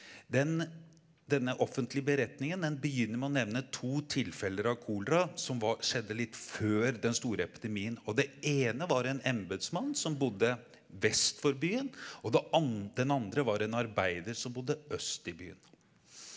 den denne offentlige beretningen den begynner med å nevne to tilfeller av kolera som skjedde litt før den store epidemien og det ene var en embetsmann som bodde vest for byen og det den andre var en arbeider som bodde øst i byen.